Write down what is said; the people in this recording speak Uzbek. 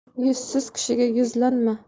yuzsiz kishiga yuzlanma